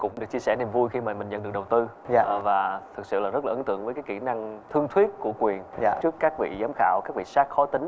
được chia sẻ niềm vui khi mà mình nhận được đầu tư và thực sự rất ấn tượng với các kỹ năng thương thuyết của quyền trước các vị giám khảo các vị sếp khó tính